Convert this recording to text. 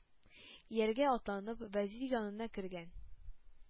Ияргә атланып, вәзир янына кергән.